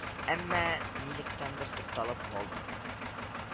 Әмма нилектәндер тукталып калды